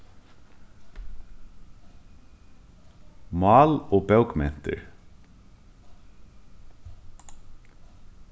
mál og bókmentir